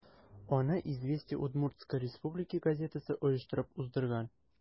Аны «Известия Удмуртсткой Республики» газетасы оештырып уздырган.